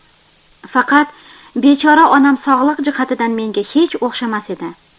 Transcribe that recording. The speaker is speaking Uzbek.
faqat bechora onam sog'liq jihatidan menga hech o'xshamas edi